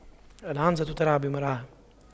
العنزة ترعى بمرعاها